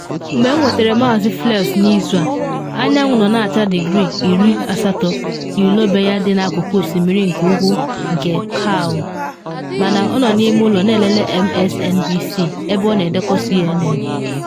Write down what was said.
Mgbe m nwetara Maazị Fleiss n’izu a, anyanwụ nọ na acha digri 80 na ilo be ya dị n’akụkụ osimiri nke ugwu nke Kauai, mana ọ n’ime ụlọ na elele MSNBC ebe ọ na edekọ CNN.